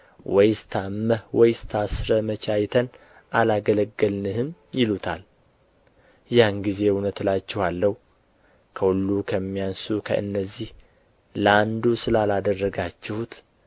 ወይስ ታመህ ወይስ ታስረህ መቼ አይተን አላገለገልንህም ይሉታል ያን ጊዜ እውነት እላችኋለሁ ከሁሉ ከሚያንሱ ከእነዚህ ለአንዱ ስላላደረጋችሁት